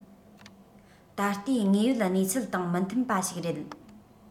ད ལྟའི དངོས ཡོད གནས ཚུལ དང མི མཐུན པ ཞིག རེད